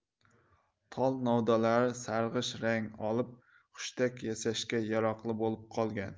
tol novdalari sarg'ish rang olib hushtak yasashga yaroqli bo'lib qolgan